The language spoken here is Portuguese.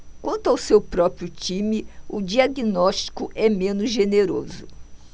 quanto ao seu próprio time o diagnóstico é menos generoso